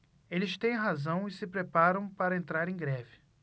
eles têm razão e se preparam para entrar em greve